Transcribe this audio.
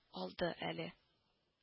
Алды әле